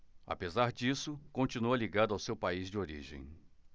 apesar disso continua ligado ao seu país de origem